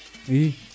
i